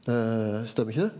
stemmer ikkje det?